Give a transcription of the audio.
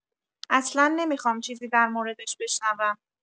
اصلا نمیخوام چیزی درموردش بشنوم.